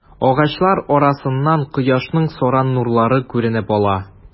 Агачлар арасыннан кояшның саран нурлары күренеп ала.